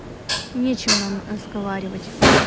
нечем нам разговаривать